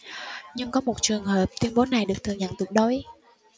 nhưng có một trường hợp tuyên bố này được thừa nhận tuyệt đối